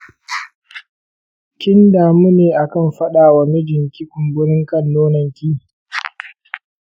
kin damu ne akan fadawa mijinki kumburin kan nononki?